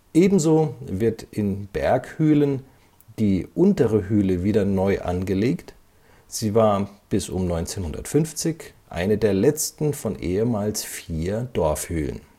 Ebenso wird in Berghülen die Untere Hüle wieder neu angelegt, sie war bis um 1950 eine der letzten von ehemals vier Dorfhülen